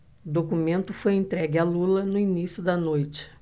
o documento foi entregue a lula no início da noite